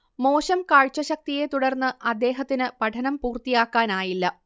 മോശം കാഴ്ച ശക്തിയെത്തുടർന്ന് അദ്ദേഹത്തിന് പഠനം പൂർത്തിയാക്കാനായില്ല